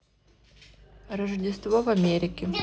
рождество в америке